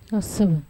A sɛgɛn